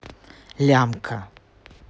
лямка